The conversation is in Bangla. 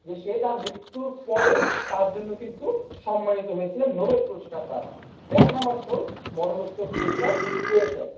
যে তার মৃত্যুর পরেও তার জন্য কিন্তু সম্মানিত হয়েছিলেন নোবেল পুরস্কার দ্বারা ড্যাগ হ্যামারশোল্ড মরণোত্তর পুরস্কার পেয়েছেন